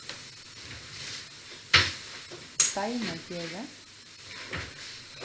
steinagerði